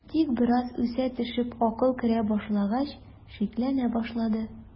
Тик бераз үсә төшеп акыл керә башлагач, шикләнә башлады.